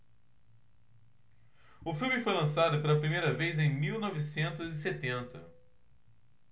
o filme foi lançado pela primeira vez em mil novecentos e setenta